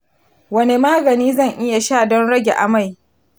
wane magani zan iya sha don rage amai?